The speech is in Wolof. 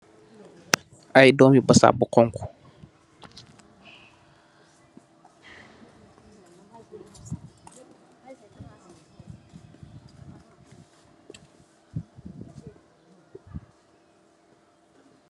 Aye doomi basaab bu khonkhu.